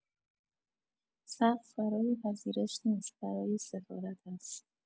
سقف برای پذیرش نیست برای سفارت هست